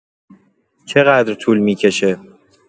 چقدر طول می‌کشه؟